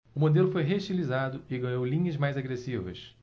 o modelo foi reestilizado e ganhou linhas mais agressivas